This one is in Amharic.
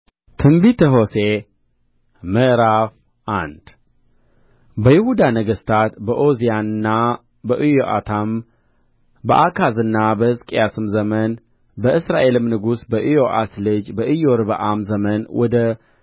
ትንቢተ ሆሴዕ ምዕራፍ አንድ በይሁዳ ነገሥታት በዖዝያንና በኢዮአታም በአካዝና በሕዝቅያስም ዘመን በእስራኤልም ንጉሥ በዮአስ ልጅ በኢዮርብዓም ዘመን ወደ